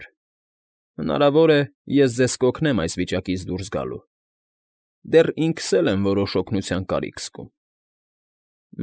Օր։ Հնարավոր է, ես ձեզ կօգնեմ այս վիճակից դուրս գալու, դեռ ինքս էլ եմ որոշ օգնության կարիք զգում։